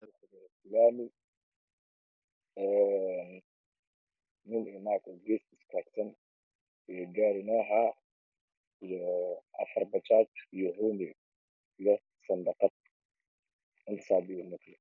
Laami nin iyo naag gees istaagsan iyo gaari noha ah iyo afar bajaaj iyo hoomeey iyo sandaqad intasa hada ii muuqdo